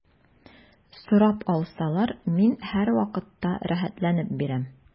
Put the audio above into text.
Сорап алсалар, мин һәрвакытта рәхәтләнеп бирәм.